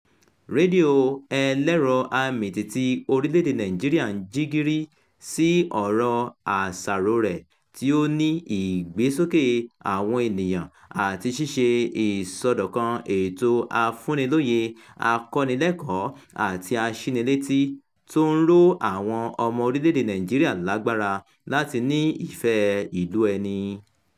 Rédíò ẹlẹ́rọ-amìtìtì orílẹ̀-èdèe Nàìjíríà ń jí gìrì sí ọ̀rọ̀ àṣàròo rẹ̀ tí ó ní ìgbésókè àwọn ènìyàn àti ṣíṣe ìsọdọ̀kan ètò afúnilóye, akọ́nilẹ́kọ̀ọ́ àti aṣínilétí tó ń ró àwọn ọmọ orílẹ̀-èdèe Nàìjíríà lágbára láti ní ìfẹ́ ìlú ẹni.